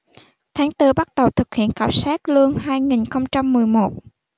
tháng tư bắt đầu thực hiện khảo sát lương hai nghìn không trăm mười một